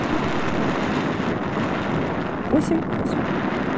восемь восемь